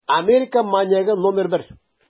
Америка маньягы № 1